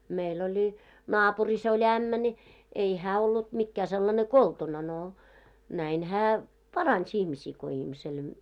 meillä oli naapurissa oli ämmä niin ei hän ollut mikään sellainen koltuna no näin hän paransi ihmisiä kun ihmiselle